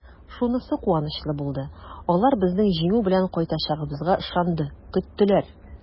Шунысы куанычлы булды: алар безнең җиңү белән кайтачагыбызга ышанды, көттеләр!